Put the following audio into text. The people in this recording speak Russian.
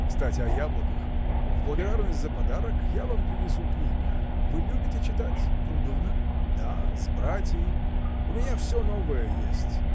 — Кстати о яблоках: в благодарность за подарок, я вам принесу книг. Вы любите читать? — Прудона? — Да, с братией. У меня всё новое есть.